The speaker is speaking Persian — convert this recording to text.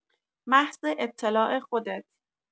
محض اطلاع خودت